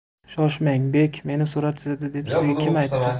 shoshmang bek meni surat chizadi deb sizga kim aytdi